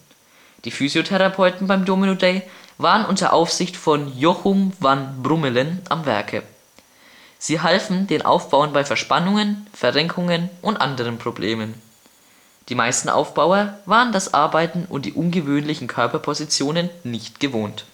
Die Physio-Therapeuten beim Domino Day waren unter Aufsicht von Jochum van Brummelen am Werke. Sie halfen den Aufbauern bei Verspannungen, Verrenkungen und anderen Problemen. Die meisten Aufbauer waren das Arbeiten und die ungewöhnlichen Körperpositionen nicht gewohnt